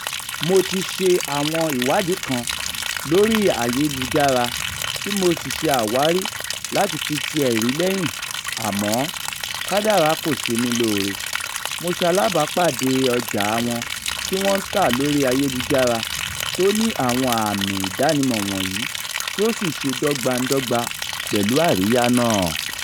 Mo ti ṣe àwọn ìwádìí kan lórí ayélujára tí mo sì ṣe àwárí láti fi ti ẹ̀rí lẹ́yìn àmọ́ kádàrá kò ṣe mí lóore, mo ṣalábàápàdé ọjàa wọn tí wọ́n ń tà lórí ayélujára tó ní àwọn ààmi ìdánimọ̀ wọ̀nyí, tí ó sì ṣe dọ́gba-n-dọ́gba pẹ̀lú àríyá náà...